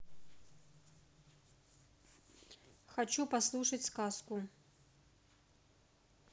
хочу послушать сказку